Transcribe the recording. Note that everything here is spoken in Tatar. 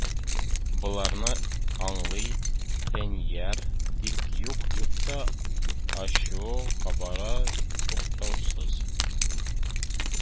Боларны аөлый фәнияр, тик юк-юк та ачуы кабара, туктаусыз